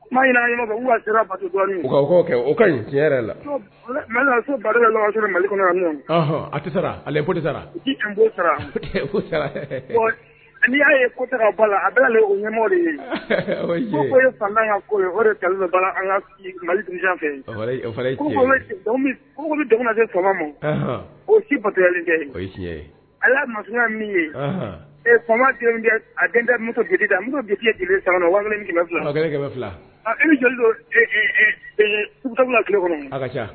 Kumaa ka la mali y'a ye ko ye fɛ maya min ye kɛmɛ don tile kɔnɔ